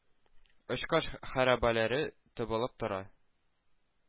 Очкыч хәрабәләре табылып тора.